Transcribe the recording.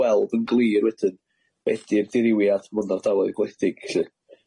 gweld yn glir wedyn be' 'di'r dirywiad mewn ardaloedd gwledig 'lly.